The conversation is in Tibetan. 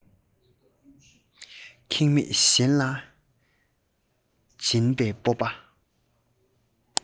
ཁེངས མེད གཞན ལ སྦྱིན པའི སྤོབས པ